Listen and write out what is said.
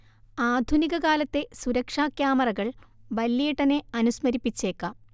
ആധുനികകാലത്തെ സുരക്ഷാ ക്യാമറകൾ വല്യേട്ടനെ അനുസ്മരിപ്പിച്ചേക്കാം